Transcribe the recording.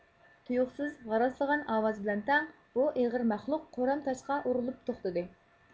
تۇيۇقسىز غاراسلىغان ئاۋاز بىلەن تەڭ بۇ ئېغىر مەخلۇق قۇرام تاشقا ئۇرۇلۇپ توختىدى